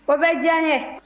o bɛ diya n ye